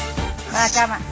ba trăm ạ